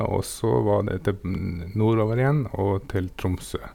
Og så var det tilb nordover igjen og til Tromsø.